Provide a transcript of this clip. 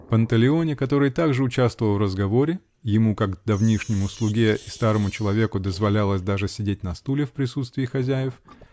Панталеоне, который также участвовал в разговоре (ему, как давнишнему слуге и старому человеку, дозволялось даже сидеть на стуле в присутствии хозяев